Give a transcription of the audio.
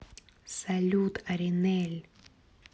салют аринэль